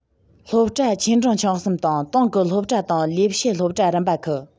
སློབ གྲྭ ཆེ འབྲིང ཆུང གསུམ དང ཏང གི སློབ གྲྭ དང ལས བྱེད སློབ གྲྭ རིམ པ ཁག